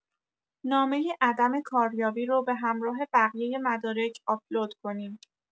نامۀ عدم کاریابی رو به همراه بقیۀ مدارک آپلود کنیم